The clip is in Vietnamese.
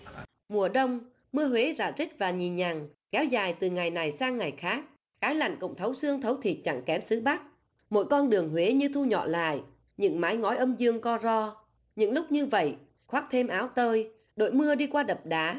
mùa đông mưa huế rả rích và nhì nhằng kéo dài từ ngày này sang ngày khác cái lạnh cũng thấu xương thấu thịt chẳng kém xứ bắc mỗi con đường huế như thu nhỏ lại những mái ngói âm dương co ro những lúc như vậy khoác thêm áo tơi đội mưa đi qua đập đá